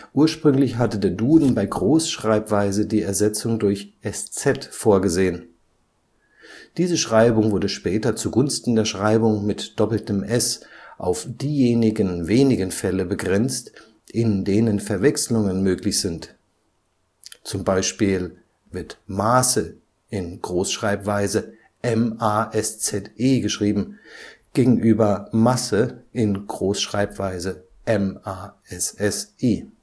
Ursprünglich hatte der Duden bei Großschreibweise die Ersetzung durch „ SZ “vorgesehen. Diese Schreibung wurde später zugunsten der Schreibung mit „ SS “auf diejenigen wenigen Fälle begrenzt, in denen Verwechslungen möglich sind (z. B. „ Maße “→„ MASZE “gegenüber „ Masse “→„ MASSE “). In